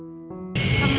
hai mấy năm rồi con